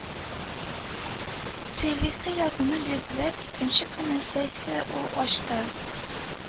Сөйлисе язуны бирделәр, икенче көнне сессияне ул ачты